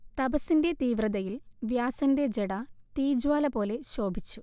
തപസ്സിന്റെ തീവ്രതയിൽ വ്യാസന്റെ ജട തീജ്വാലപോലെ ശോഭിച്ചു